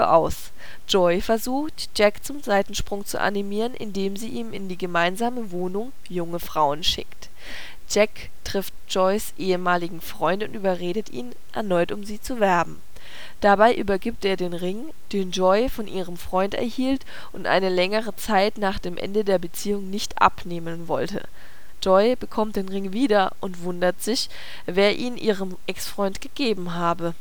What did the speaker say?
aus. Joy versucht, Jack zum Seitensprung zu animieren, indem sie ihm in die gemeinsame Wohnung junge Frauen schickt. Jack trifft Joys ehemaligen Freund und überredet ihn, erneut um sie zu werben. Dabei übergibt er den Ring, den Joy von ihrem Freund erhielt und eine längere Zeit nach dem Ende der Beziehung nicht abnehmen wollte. Joy bekommt den Ring wieder und wundert sich, wer ihn ihrem Ex-Freund gegeben habe